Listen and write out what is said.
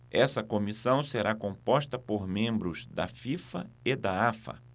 essa comissão será composta por membros da fifa e da afa